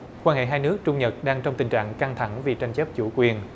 quan hệ hai nước trung nhật đang trong tình trạng căng thẳng vì tranh chấp chủ quyền